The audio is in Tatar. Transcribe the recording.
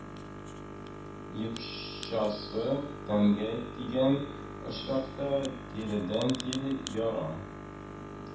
Екчасы тәнгә тигән очракта, тиредә тире яра